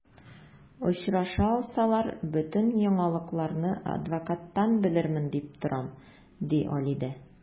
Очраша алсалар, бөтен яңалыкларны адвокаттан белермен дип торам, ди Алидә.